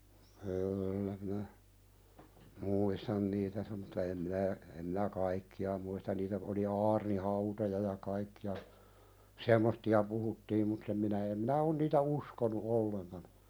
kyllä minä muistan niitä sen mutta en minä en minä kaikkia muista niitä oli aarnihautoja ja kaikkia semmoisia puhuttiin mutta en minä en minä ole niitä uskonut ollenkaan